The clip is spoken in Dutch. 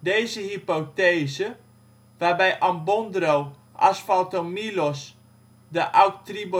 Deze hypothese, waarbij Ambondro, Asfaltomylos, de Ausktribosphenida